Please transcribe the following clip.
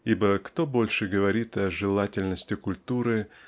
ибо кто больше говорит о желательности культуры